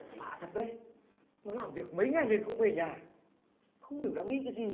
lạ thật đấy nó làm việc mấy ngày liền không về nhà không hiểu đang nghĩ cái gì nữa